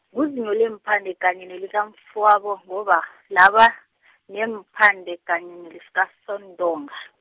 nguzinyo leempande kanye nelikamfowabo ngoba, laba, neempande kanye nelikaSontonga.